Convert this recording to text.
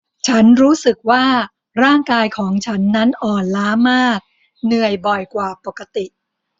ฉันรู้สึกว่าร่างกายของฉันนั้นอ่อนล้ามากเหนื่อยบ่อยกว่าปกติ